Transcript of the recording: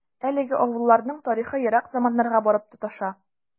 Әлеге авылларның тарихы ерак заманнарга барып тоташа.